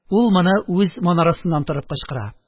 Ул моны үз манарасыннан торып кычкыра